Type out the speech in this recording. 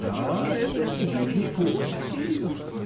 — Да, это не ближний путь, в Киев!